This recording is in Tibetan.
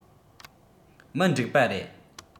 མི འགྲིག པ རེད